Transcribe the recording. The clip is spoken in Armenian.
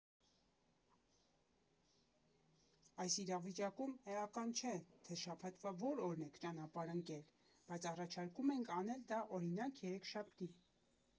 Այս իրավիճակում էական չէ, թե շաբաթվա որ օրն եք ճանապարհ ընկնել, բայց առաջարկում ենք անել դա, օրինակ՝ երեքշաբթի։